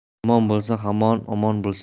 yomon bo'lsa ham omon bo'lsin